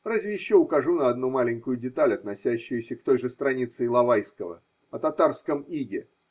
Разве еще укажу на одну маленькую деталь, относящуюся к той же странице Иловайского – о татарском иге.